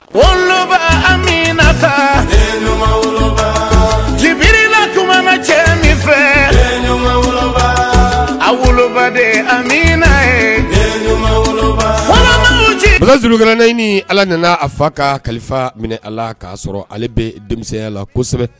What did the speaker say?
Woloba amiina saba jigiina tuma ma cɛ min fɛ ɲuman a wolobaden zkɛnɛnaɲini ni ala nana a fa ka kalifa minɛ a la k'a sɔrɔ ale bɛ denmisɛnya la kosɛbɛ